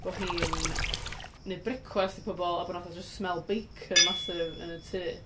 bod hi'n wneud brecwast i bobl a bod 'na fatha jyst smell bacon massive yn y tŷ.